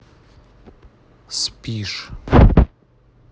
спишь